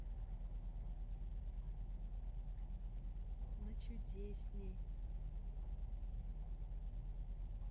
на чудесней